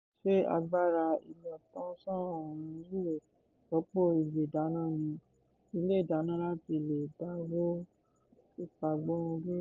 "Ṣé agbára ìlòtànsán-òòrùn lè rọ́pò igi ìdáná ní ilé-ìdáná láti lè dáwọ́ ìpagbórun dúró?"